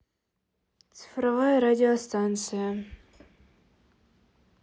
цифровая радиостанция